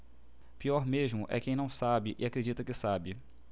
pior mesmo é quem não sabe e acredita que sabe